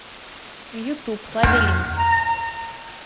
ютуб лабиринт